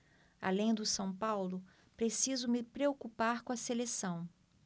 além do são paulo preciso me preocupar com a seleção